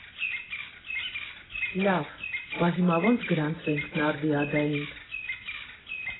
Լա՛վ, բա հիմա ո՞նց գրանցվենք Նարդիադային։